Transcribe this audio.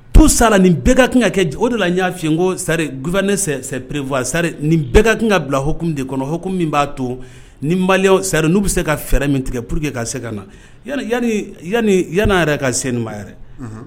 P sala ni bɛɛ ka kan ka kɛ o de la n y'a fi n ko sari gupɛperep sari ni bɛɛ ka kan ka bila h ham de kɔnɔ hm min b'a to ni mali sari n'u bɛ se ka fɛɛrɛ min tigɛ pur que ka se ka naani yanana yɛrɛ ka se yɛrɛ